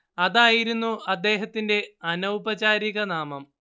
അതായിരുന്നു അദ്ദേഹത്തിന്റെ അനൗപചാരികനാമം